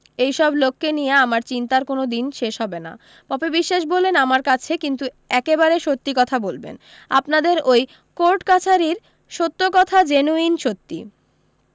এই সব লোককে নিয়ে আমার চিন্তার কোন দিন শেষ হবে না পপি বিশ্বাস বললেন আমার কাছে কিন্তু একেবারে সত্যি কথা বলবেন আপনাদের ওই কোর্টকাছারির সত্যি কথা নয় জেনুউন সত্যি